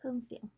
เพิ่มเสียง